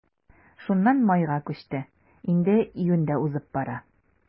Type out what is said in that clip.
Шуннан майга күчте, инде июнь дә узып бара.